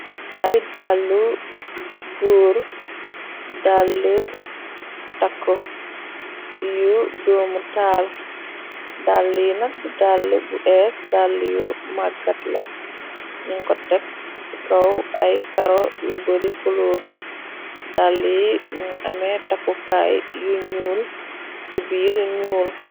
Ay dàllu góore dàllu takku yu doomu taal. dall yi nak du dàll bu ees, dàll yu maggat la, nin ko tekk ci kaw ay karo yu bari kuloor. Dall yi mingi ame takkukaay yu ñuul ci biir ñuul.